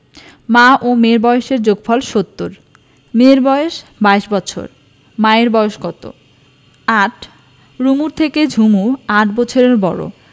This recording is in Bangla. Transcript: মা ও মেয়ের বয়সের যোগফল ৭০ মেয়ের বয়স ২২ বছর মায়ের বয়স কত ৮ রুমুর থেকে ঝুমু ৮ বছরের বড়